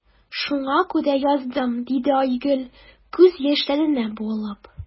Шуңа күрә яздым,– диде Айгөл, күз яшьләренә буылып.